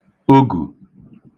ogù